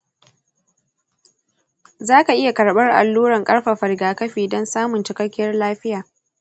za ka iya karɓar alluran ƙarfafa rigakafi dan samun cikakiyar lafiya.